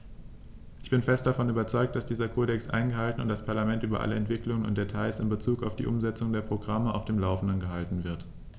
Ich bin fest davon überzeugt, dass dieser Kodex eingehalten und das Parlament über alle Entwicklungen und Details in bezug auf die Umsetzung der Programme auf dem laufenden gehalten wird.